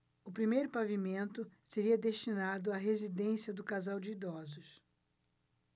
o primeiro pavimento seria destinado à residência do casal de idosos